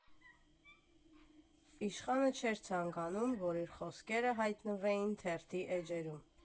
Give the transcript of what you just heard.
Իշխանը չէր ցանկանում, որ իր խոսքերը հայտնվեին թերթի էջերում։